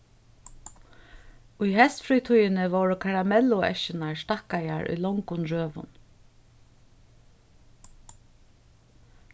í heystfrítíðini vóru karamellueskjurnar stakkaðar í longum røðum